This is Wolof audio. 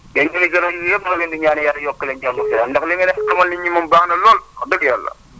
yéen ñoo ngi gërëm ñëpp ñoo ngi leen di ñaan yàlla yokk leen jàmm ak salaam ndax li ngeen di xamal nit ñi moom baax na lool wax dëgg yàlla